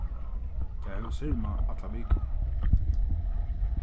tað hevur sirmað alla vikuna